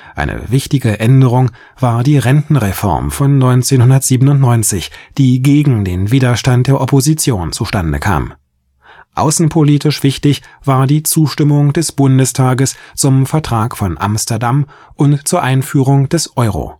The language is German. Eine wichtige Änderung war die Rentenreform von 1997, die gegen den Widerstand der Opposition zustande kam. Außenpolitisch wichtig war die Zustimmung des Bundestages zum Vertrag von Amsterdam und zur Einführung des Euro